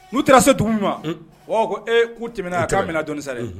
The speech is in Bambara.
N'u taara se dugu min ma mɔgɔw b'a fɔ ee ku tɛmɛna yan ka mɛna dɔni sa dɛ